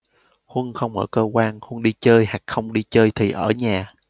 huân không ở cơ quan huân đi chơi hoặc không đi chơi thì ở nhà